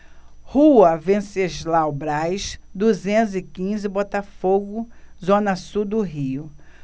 rua venceslau braz duzentos e quinze botafogo zona sul do rio